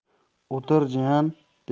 o'tir jiyan